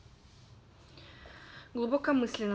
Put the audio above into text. глубокомысленно